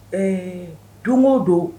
Ɛɛ donw don